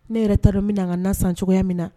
Ne yɛrɛ ta don min na ka na san cogoya min na